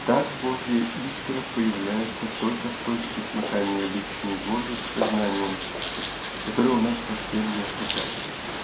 так Божья искра появляется только в точке смыкания личной воли с сознанием которые у нас совсем не смыкались.